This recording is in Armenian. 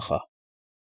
Փախա։